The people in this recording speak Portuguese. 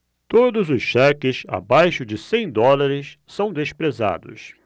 todos os cheques abaixo de cem dólares são desprezados